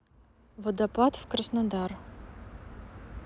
водопад в краснодар